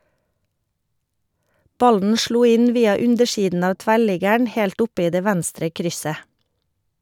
Ballen slo inn via undersiden av tverrliggeren helt oppe i det venstre krysset.